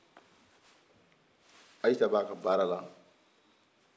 ayisa b'a ka baara la